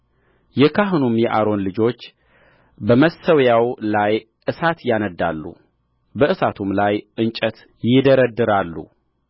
የካህኑም የአሮን ልጆች በመሠዊያው ላይ እሳት ያነድዳሉ በእሳቱም ላይ እንጨት ይደረድራሉ